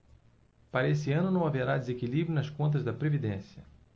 para este ano não haverá desequilíbrio nas contas da previdência